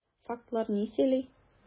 Фактлар ни сөйли?